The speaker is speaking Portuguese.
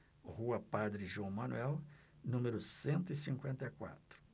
rua padre joão manuel número cento e cinquenta e quatro